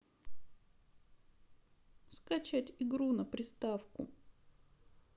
скачать игру на приставку